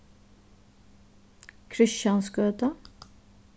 kristjansgøta